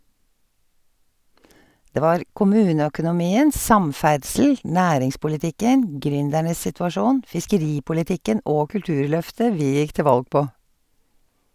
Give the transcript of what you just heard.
Det var kommuneøkonomien, samferdsel, næringspolitikken, gründernes situasjon, fiskeripolitikken og kulturløftet vi gikk til valg på.